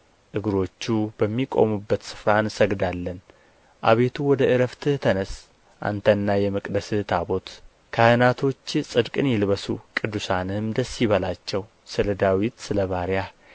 እግሮቹ በሚቆሙበት ስፍራ እንሰግዳለን አቤቱ ወደ ዕረፍትህ ተነሥ አንተና የመቅደስህ ታቦት ካህናቶችህ ጽድቅን ይልበሱ ቅዱሳንህም ደስ ይበላቸው ስለ ዳዊት ስለ ባሪያህ